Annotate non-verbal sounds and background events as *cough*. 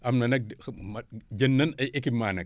am na nag *hesitation* jënd nañ ay équipements nag